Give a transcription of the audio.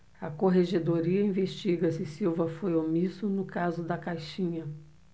a corregedoria investiga se silva foi omisso no caso da caixinha